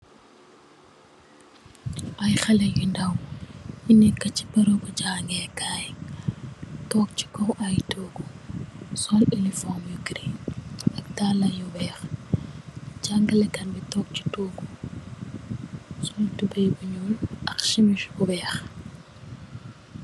Ayy haleh yu ndaw yu nek chi beureubu jaangeh kaii tok chi kaw aiiy tohgu, sol uniform yu girin ak daalah yu wekh, jaangeh leh kat bi tok chi tohgu, sol tubeiyy bu njull, chemise bu wekh.